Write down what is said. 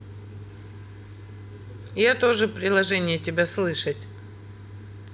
я тоже приложение тебя слышать